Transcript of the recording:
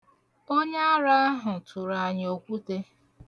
Onye ara ahụ tụrụ anyị okwute.